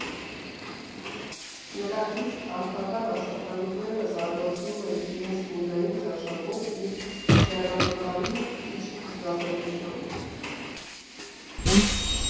Նրա լիցք֊հարթակար աշխատանքները զարմացնում են իրենց գունային ճաշակով ու հեռանկարի ճիշտ զգացողությամբ։